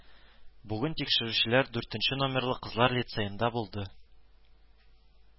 Бүген тикшерүчеләр дүртенче номерлы кызлар лицеенда булды